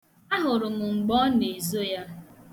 A hụrụ mụ mgbe ọ na-ezo ya.